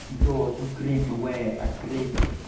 'Di dod trwy grym y we a grym...